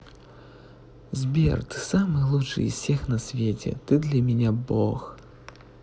сбер ты самый лучший из всех на свете ты для меня бог